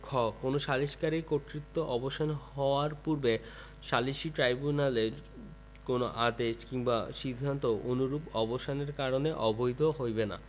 খ কোন সালিসকারীর কর্তৃত্ব অবসান হওয়ার পূর্বে সালিসী ট্রাইব্যুনালের কোন আদেশ অথবা কোন সিদ্ধান্ত অনুরূপ অবসানের কারণে অবৈধ হইবে না